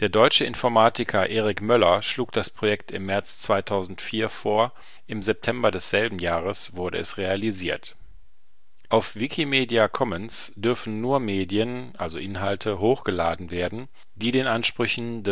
deutsche Informatiker Erik Möller schlug das Projekt im März 2004 vor, im September desselben Jahres wurde es realisiert. Auf Wikimedia Commons dürfen nur Medien (Inhalte) hochgeladen werden, die den Ansprüchen